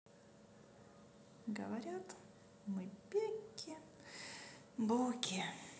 говорят мы бяки буки